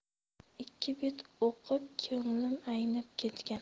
ikki bet o'qib ko'nglim aynib ketgan